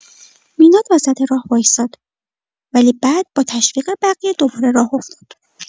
میلاد وسط راه وایساد ولی بعد با تشویق بقیه دوباره راه افتاد.